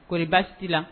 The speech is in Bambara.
Koba t' la